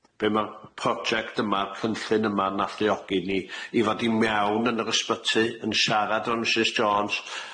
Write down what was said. be' ma'r project yma, cynllun yma'n alluogi ni, i fod i mewn yn yr ysbyty yn siarad efo'r Misus Jones.